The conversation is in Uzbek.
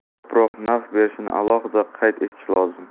ko'proq naf berishini alohida qayd etish lozim